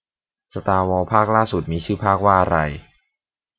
สตาร์วอร์ภาคล่าสุดมีชื่อภาคว่าอะไร